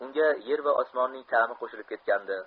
unga yer va osmonning ta'mi qo'shilib ketgandi